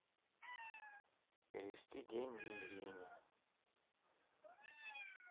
переведи деньги ирине